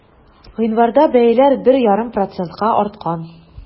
Гыйнварда бәяләр 1,5 процентка арткан.